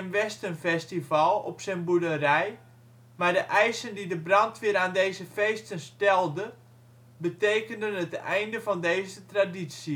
Western-festival op zijn boerderij maar de eisen die de brandweer aan deze feesten stelde, betekenden het einde van deze traditie